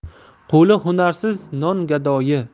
qo'li hunarsiz non gadoyi